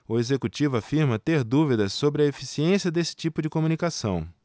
o executivo afirma ter dúvidas sobre a eficiência desse tipo de comunicação